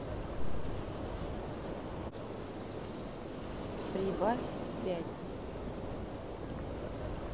прибавь пять